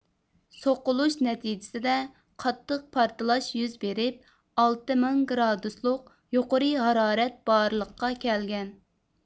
سوقۇلۇش نەتىجىسىدە قاتتىق پارتلاش يۈز بېرىپ ئالتە مىڭ گرادۇسلۇق يۇقىرى ھارارەت بارلىققا كەلگەن